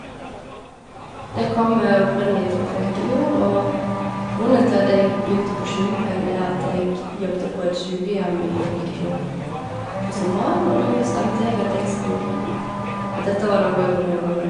Jeg kommer opprinnelig fra Flekkefjord, og grunnen til at jeg begynte på sjukepleien, er at jeg jobbet på et sjukehjem i Flekkefjord på sommeren, og da bestemte jeg at jeg skulle at dette var noe jeg kunne jobbe med.